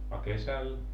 a kesällä